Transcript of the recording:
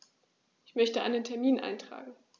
Ich möchte einen Termin eintragen.